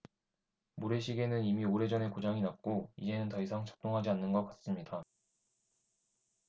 모래시계는 이미 오래 전에 고장이 났고 이제는 더 이상 작동하지 않는 것 같습니다